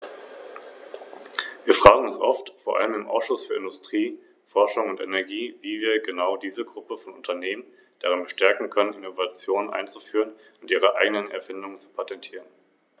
Natürlich akzeptieren wir diesen Änderungsantrag, er ist völlig vernünftig, und ich glaube, es müssen konkrete Situationen in Betracht gezogen werden, die von der klimatischen Verschiedenartigkeit der Europäischen Union zeugen, die manchmal bei der Prüfung der Normungen und Charakterisierungen technischer Art in spezifische Festlegungen und konkrete Anforderungen umgesetzt werden.